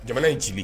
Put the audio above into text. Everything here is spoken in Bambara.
Jamana in ci